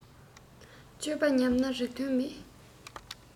སྤྱོད པ ཉམས ན རིགས དོན མེད